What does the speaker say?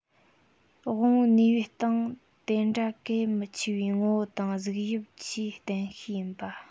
དབང པོའི ནུས པའི སྟེང དེ འདྲ གལ མི ཆེ བའི ངོ བོ དང གཟུགས དབྱིབས ཆེས བརྟན ཤོས ཡིན པ